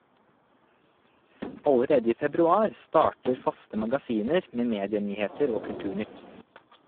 Allerede i februar starter faste magasiner med medienyheter og kulturnytt.